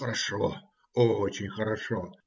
"Хорошо, очень хорошо",